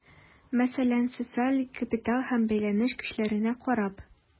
Мәсәлән, социаль капитал һәм бәйләнеш көчләренә карап.